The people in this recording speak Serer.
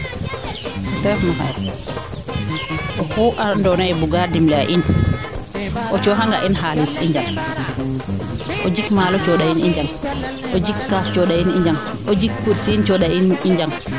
mete refna xaye oxu ando naye bugaa dimle a in a cooxa nga in xalis i njang o jik maalo cooxa in i njang o jik kaaf coxa in i njang o jik pursiin coxa in i njang